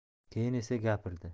keyin esa gapirdi